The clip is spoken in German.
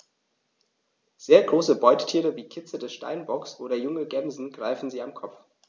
Sehr große Beutetiere wie Kitze des Steinbocks oder junge Gämsen greifen sie am Kopf.